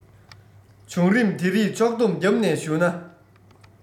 བྱུང རིམ དེ རིགས ཕྱོགས བསྡོམས བརྒྱབ ནས ཞུ ན